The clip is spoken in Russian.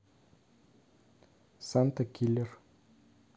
санта киллер